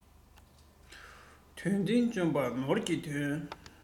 དོན མཐུན འཇོམས པ ནོར གྱི དོན